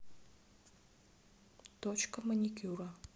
точка маникюра